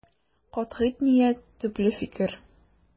Катгый ният, төпле фикер.